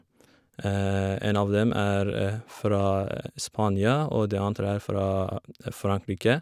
En av dem er fra Spania, og den andre er fra Frankrike.